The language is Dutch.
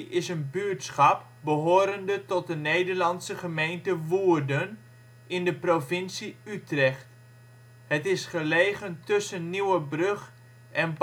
is een buurtschap behorende tot de Nederlandse gemeente Woerden, in de provincie Utrecht. Het is gelegen tussen Nieuwerbrug en